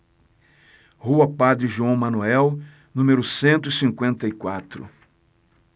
rua padre joão manuel número cento e cinquenta e quatro